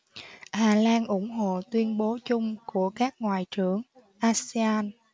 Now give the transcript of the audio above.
hà lan ủng hộ tuyên bố chung của các ngoại trưởng asean